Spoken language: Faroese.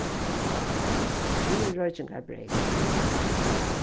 fyrireikingarbreyt